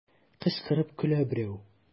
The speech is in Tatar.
Кычкырып көлә берәү.